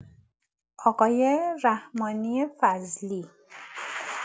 آقای رحمانی فضلی